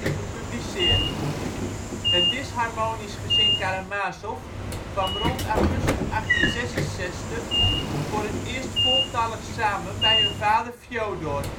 gepubliceerd. Het disharmonisch gezin Karamazov kwam rond augustus 1866 voor het eerst voltallig samen bij hun vader Fjodor